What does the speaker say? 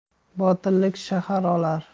botirlik shahar olar